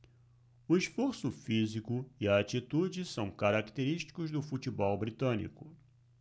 o esforço físico e a atitude são característicos do futebol britânico